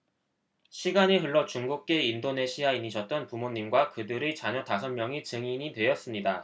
시간이 흘러 중국계 인도네시아인이셨던 부모님과 그들의 자녀 다섯 명이 증인이 되었습니다